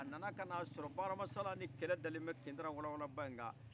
a nana ka na a sɔrɔ bakaramasala ni kɛlɛ dalen bɛ kindira walawalaba in kan